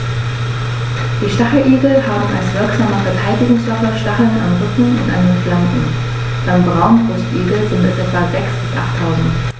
Die Stacheligel haben als wirksame Verteidigungswaffe Stacheln am Rücken und an den Flanken (beim Braunbrustigel sind es etwa sechs- bis achttausend).